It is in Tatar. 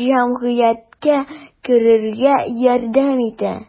җәмгыятькә керергә ярдәм итә.